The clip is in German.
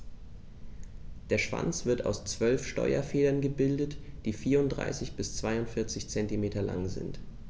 Der Schwanz wird aus 12 Steuerfedern gebildet, die 34 bis 42 cm lang sind.